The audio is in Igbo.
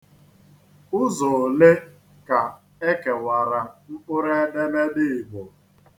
Ụzọ ole ka e kewara mkpụrụedemede Igbo?